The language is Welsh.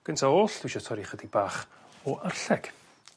Gynta oll dwi isio torri chydig bach o arlleg.